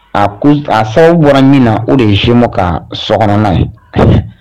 A ko, a sababu bɔra min na, o de ye jumeau ka so kɔnɔna ye.